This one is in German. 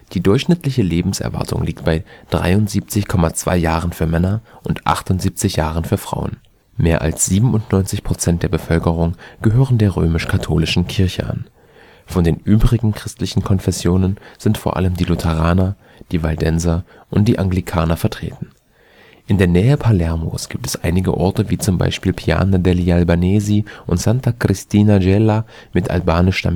Die durchschnittliche Lebenserwartung liegt bei 73,2 Jahren für Männer und 78 Jahren für Frauen. Mehr als 97 % der Bevölkerung gehören der römisch-katholischen Kirche an. Von den übrigen christlichen Konfessionen sind vor allem die Lutheraner, die Waldenser und die Anglikaner vertreten. In der Nähe Palermos gibt es einige Orte wie z. B. Piana degli Albanesi und Santa Cristina Gela mit albanisch-stämmiger